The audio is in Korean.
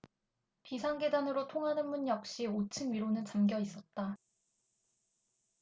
비상계단으로 통하는 문 역시 오 층 위로는 잠겨 있었다